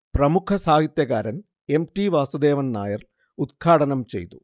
പ്രമുഖസാഹിത്യകാരൻ M. T. Vasudevan Nair ഉദ്ഘാടനം ചെയ്തു